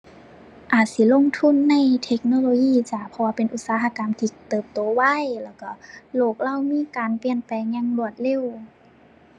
อาจสิลงทุนในเทคโนโลยีจ้า เพราะว่าเป็นอุตสาหกรรมที่เติบโตไว แล้วก็โลกเรามีการเปลี่ยนแปลงอย่างรวดเร็ว